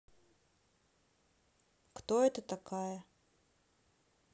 кто это такая